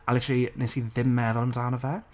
A literally, wnes i ddim meddwl amdano fe.